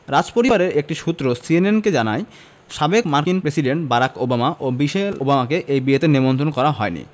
রাজপরিবারের একটি সূত্র সিএনএনকে জানায় সাবেক মার্কিন প্রেসিডেন্ট বারাক ওবামা ও মিশেল ওবামাকে এই বিয়েতে নিমন্ত্রণ করা হয়নি